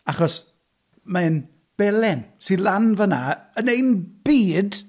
Achos mae'n belen sy lan fan'na yn ein byd.